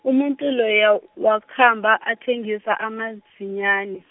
umuntu loyo wakhamba athengisa, amadzinyani.